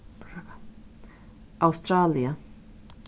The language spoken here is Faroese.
australia